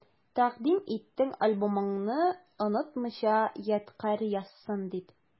Тәкъдим иттең альбомыңны, онытмыйча ядкарь язсын дип.